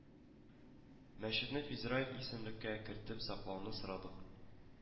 Мәчетне федераль исемлеккә кертеп саклауны сорадык